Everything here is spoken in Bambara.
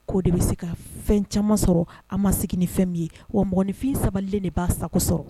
Ko de bɛ se ka fɛn caman sɔrɔ an ma sigi ni fɛn min ye wa mɔgɔninfin sabalilen de b'a sago sɔrɔ